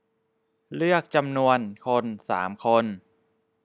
โกวาจีเลือกจำนวนคนสามคน